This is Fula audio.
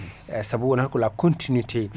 saabu wonata ko la continuté